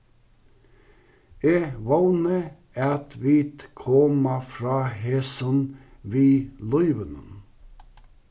eg vóni at vit koma frá hesum við lívinum